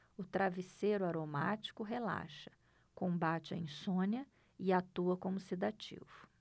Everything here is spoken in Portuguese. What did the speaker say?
o travesseiro aromático relaxa combate a insônia e atua como sedativo